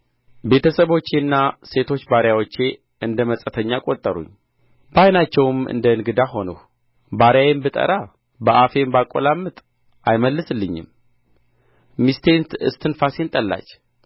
ቤተ ሰቦቼና ሴቶች ባሪያዎቼ እንደ መጻተኛ ቈጠሩኝ በዓይናቸውም እንደ እንግዳ ሆንሁ ባሪያዬን ብጠራ በአፌም ባቈላምጥ አይመልስልኝም ሚስቴ እስትንፋሴን ጠላች